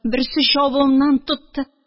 Берсе чабуымнан тотты.